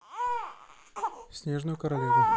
снежную королеву